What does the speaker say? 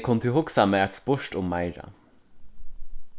eg kundi hugsað mær at spurt um meira